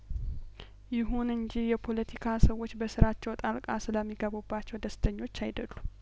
ይሁን እንጂ የፖለቲካ ሰዎች በስራቸው ጣልቃ ስለሚ ገቡባቸው ደስተኞች አይደሉም